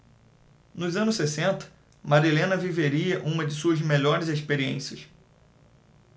nos anos sessenta marilena viveria uma de suas melhores experiências